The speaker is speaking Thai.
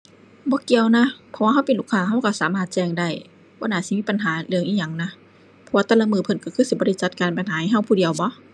บ่เกี่ยวนะ เพราะว่าเราเป็นลูกค้าเราเราสามารถแจ้งได้ บ่น่าสิมีปัญหาเรื่องอิหยังนะ เพราะว่าแต่ละมื้อเพิ่นเราคือสิบ่ได้จัดการปัญหาให้เราผู้เดียวบ่